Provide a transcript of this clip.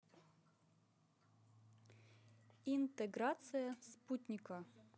интеграция спутника